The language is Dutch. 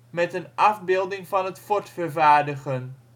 met een afbeelding van het fort vervaardigen